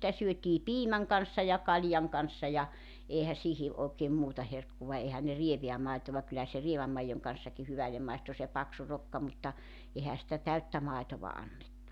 sitä syötiin piimän kanssa ja kaljan kanssa ja eihän siihen oikein muuta herkkua eihän ne rievää maitoa kyllä se rievän maidon kanssakin hyvälle maistui se paksu rokka mutta eihän sitä täyttä maitoa annettu